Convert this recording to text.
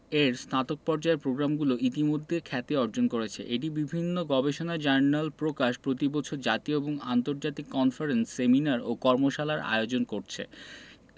এর স্নাতক পর্যায়ের প্রগ্রামগুলো ইতোমধ্যে খ্যাতি অর্জন করেছে এটি বিভিন্ন গবেষণা জার্নাল প্রকাশ প্রতি বছর জাতীয় এবং আন্তর্জাতিক কনফারেন্স সেমিনার ও কর্মশালার আয়োজন করছে